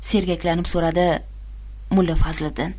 sergaklanib so'radi mulla fazliddin